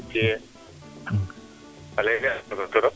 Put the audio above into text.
iyo tiye de a fela trop